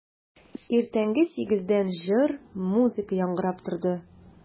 Иртәнге сигездән җыр, музыка яңгырап торды.